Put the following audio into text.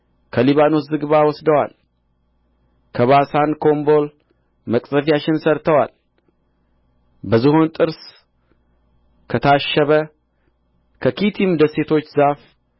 ከሊባኖስ ዝግባ ወስደዋል ከባሳን ኮምቦል መቅዘፊያሽን ሠርተዋል በዝሆን ጥርስ ከታሻበ ከኪቲም ደሴቶች ዛፍ